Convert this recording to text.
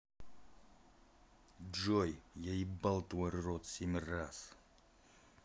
джой я ебал твой рот семь раз